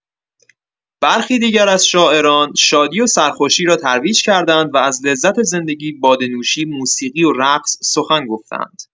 برخی دیگر از شاعران، شادی و سرخوشی را ترویج کرده‌اند و از لذت زندگی، باده‌نوشی، موسیقی و رقص سخن گفته‌اند.